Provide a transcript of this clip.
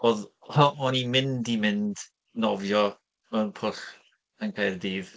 Oedd hy- o'n i'n mynd i mynd nofio mewn pwll yn Caerdydd.